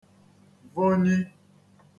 vọnyi